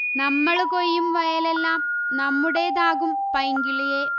നമ്മളു കൊയ്യും വയലെല്ലാം നമ്മുടേതാകും പൈങ്കിളിയേ